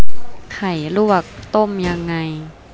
ไข่ลวกต้มยังไง